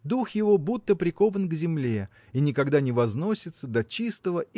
Дух его будто прикован к земле и никогда не возносится до чистого